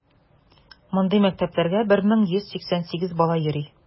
Мондый мәктәпләргә 1188 бала йөри.